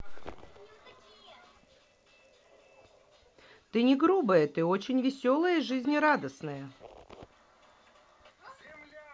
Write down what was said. ты не грубая ты очень веселая и жизнерадостная